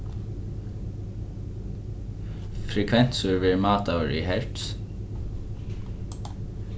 frekvensur verður mátaður í hertz